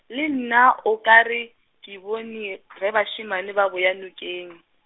le nna o ka re, ke bone, ge bašemane ba boya nokeng.